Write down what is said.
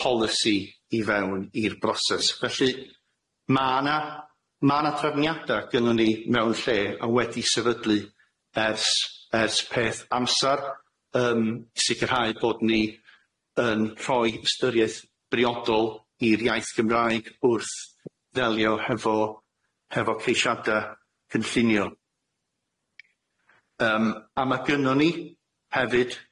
policy i fewn i'r broses. Felly ma' na ma' na trefniada gynnon ni mewn lle a wedi sefydlu ers ers peth amsar yym sicirhau bod ni yn rhoi ystyriaeth briodol i'r iaith Gymraeg wrth ddelio hefo hefo ceisiada cynllunio, yym a ma' gynnon ni hefyd